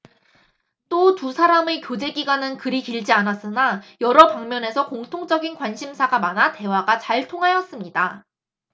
또 두 사람의 교제기간은 그리 길지 않았으나 여러 방면에서 공통적인 관심사가 많아 대화가 잘 통하였습니다